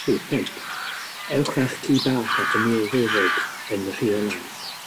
Rhif pump. Ewch â'ch ci bach at y milfeddyg yn rheolaidd.